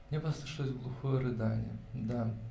Мне послышалось глухое рыдание. Да!